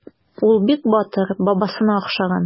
Ул бик батыр, бабасына охшаган.